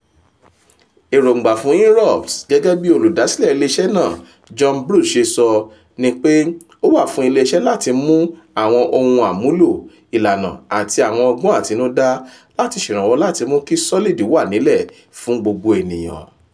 Èròńgbà fún Inrupt, gẹ́gẹ́bí Olùdásílẹ̀ ilé iṣẹ́ náà John Bruce ṣe sọ, ni pé ó wá fún ilé iṣẹ̀ láti mú àwọn ohun àmúlò, ìlànà àti àwọn ọgbọ́n àtinúdá láti ṣèrànwọ́ láti mú kí Solid wà nílẹ̀ fún gbogbo ènìyàn.